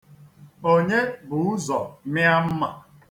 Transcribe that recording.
Onye bu ụzọ mịa mma?